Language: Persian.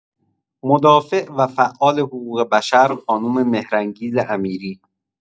مدافع و فعال حقوق‌بشر، خانم مهرانگیز امیری